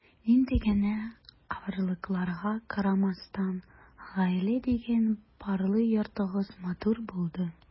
Нинди генә авырлыкларга карамастан, “гаилә” дигән парлы йортыгыз матур булды.